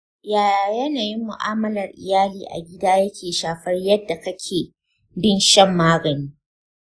yaya yanayin mu’amalar iyali a gida yake shafar yadda kake bin shan magani?